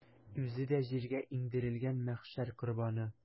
Үзе дә җиргә иңдерелгән мәхшәр корбаны.